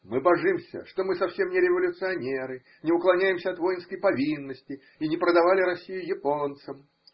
Мы божимся, что мы совсем не революционеры, не уклоняемся от воинской повинности и не продавали Россию японцам.